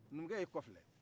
numukɛ y'i kɔfilɛ